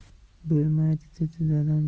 bo'lmaydi dedi dadam